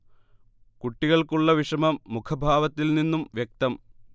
കുട്ടികൾക്ക് ഉള്ള വിഷമം മുഖഭാവത്തിൽ നിന്നും വ്യക്തം